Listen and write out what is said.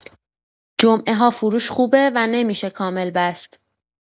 جمعه‌ها فروش خوبه و نمی‌شه کامل بست.